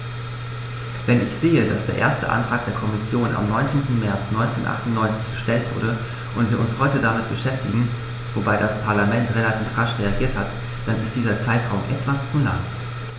Wenn ich sehe, dass der erste Antrag der Kommission am 19. März 1998 gestellt wurde und wir uns heute damit beschäftigen - wobei das Parlament relativ rasch reagiert hat -, dann ist dieser Zeitraum etwas zu lang.